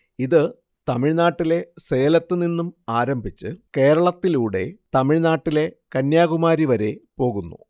ഇത് തമിഴ് നാട്ടിലെ സേലത്തുനിന്നും ആരംഭിച്ച് കേരളത്തിലൂടെ തമിഴ് നാട്ടിലെ കന്യാകുമാരി വരെ പോകുന്നു